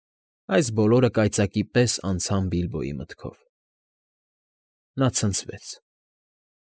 Այս բոլորը կայծակի պես անցան Բիլբոյի մտքով, նա ցնցվեց։